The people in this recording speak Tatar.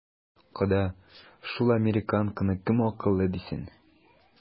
Кода, шул американканы кем акыллы дисен?